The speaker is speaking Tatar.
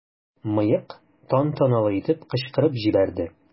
"мыек" тантаналы итеп кычкырып җибәрде.